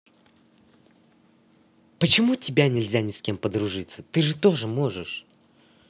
почему тебя нельзя ни с кем подружиться ты же тоже можешь